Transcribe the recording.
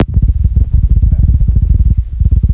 ты неправильно отвечаешь